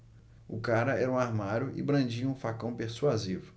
o cara era um armário e brandia um facão persuasivo